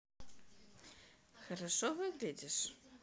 хорошо выглядишь